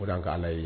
Ko dɔn' ye